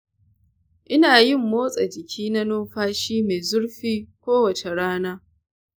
ina yin motsa jiki na numfashi mai zurfi kowace rana.